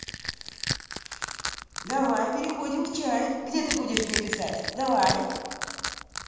давай переходим в чай где ты будешь мне писать давай